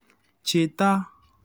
Cheta?